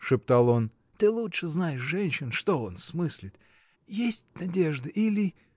— шептал он, — ты лучше знаешь женщин — что он смыслит! Есть надежда. или.